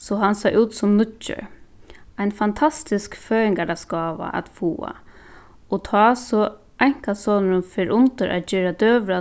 so hann sá út sum nýggjur ein fantastisk føðingardagsgáva at fáa og tá so einkasonurin fer undir at gera døgurða